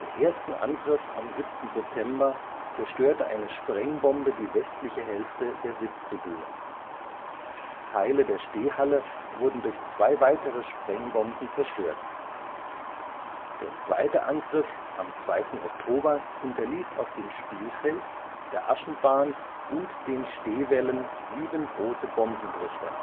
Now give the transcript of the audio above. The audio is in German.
ersten Angriff am 7. September zerstörte eine Sprengbombe die westliche Hälfte der Sitztribüne. Teile der Stehhalle wurden durch zwei weitere Sprengbomben zerstört. Der zweite Angriff am 2. Oktober hinterließ auf dem Spielfeld, der Aschenbahn und den Stehwällen sieben große Bombentrichter